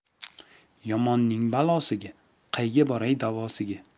yomonning balosiga qayga boray davosiga